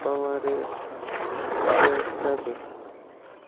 bavariya ga o'tadi